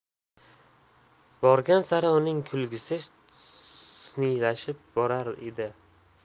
borgan sari uning kulgisi suniylashib borar edi